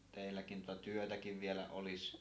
teilläkin tuota työtäkin vielä olisi